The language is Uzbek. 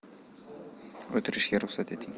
o'tirishga ruxsat eting